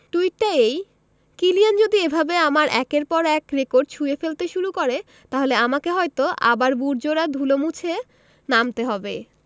টুইটটা এই কিলিয়ান যদি এভাবে আমার একের পর এক রেকর্ড ছুঁয়ে ফেলতে শুরু করে তাহলে আমাকে হয়তো আবার বুটজোড়ার ধুলো মুছে নামতে হবে